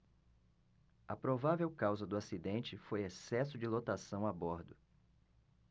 a provável causa do acidente foi excesso de lotação a bordo